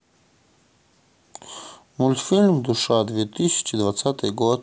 мультфильм душа две тысячи двадцатый год